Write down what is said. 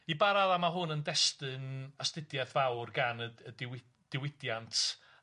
i ba radda ma' hwn yn destun astudiaeth fawr gan y d- y diwy- diwydiant